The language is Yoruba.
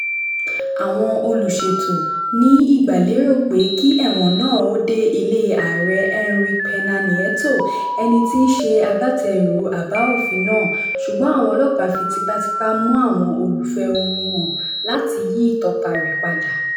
Àwọn olúṣètò ní ìgbàlérò pé kí ẹ̀wọ̀n náà ó dé ilé Ààrẹ Enrique Pena Nieto, ẹni tí í ṣe agbátẹrù àbá òfin náà, ṣùgbọ́n àwọn ọlọ́pàá fi tipátipá mú àwọn olúfẹ̀hónú hàn láti yí ìtọpa rẹ̀ padà.